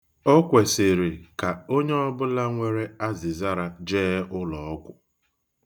O kwesịrị ka onye ọbụla nwere azịzara jee ụlọọgwụ.